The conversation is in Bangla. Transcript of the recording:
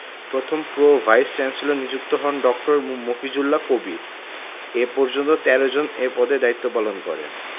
প্রথম প্রো ভাইস চ্যান্সেলর নিযুক্ত হন ড. মফিজুল্লাহ কবির এ পর্যন্ত ১৩ জন এ পদে দায়িত্বপালন করেন